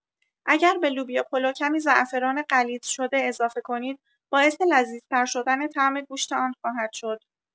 اگر به لوبیا پلو کمی زعفران غلیظ شده اضافه کنید باعث لذیذتر شدن طعم گوشت آن خواهد شد.